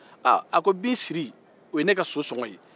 aaa a ko bin siri o ye ne ka so sɔgɔn ye